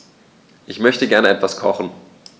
Ich möchte gerne etwas kochen.